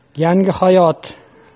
yangi hayot